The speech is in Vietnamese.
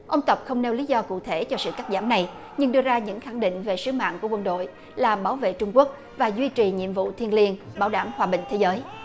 ông tập không nêu lý do cụ thể cho sự cắt giảm này nhưng đưa ra những khẳng định về sứ mạng của quân đội làm bảo vệ trung quốc và duy trì nhiệm vụ thiêng liêng bảo đảm hòa bình thế giới